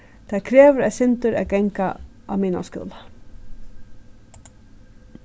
tað krevur eitt sindur at ganga á miðnámsskúla